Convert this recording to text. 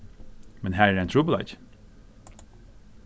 men har ein trupulleiki